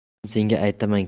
qizim senga aytaman